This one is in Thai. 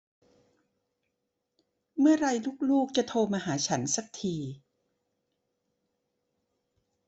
เมื่อไรลูกลูกจะโทรมาหาฉันซักที